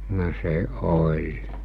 no se oli